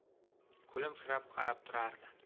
kulimsirab qarab turardi